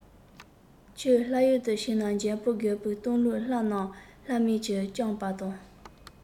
ཁྱོད ལྷ ཡུལ དུ ཕྱིན ནས འཇོན པོ རྒོས པོ བཏང ལུགས ལྷ རྣམས ལྷ མིན གྱིས བཅོམ པ དང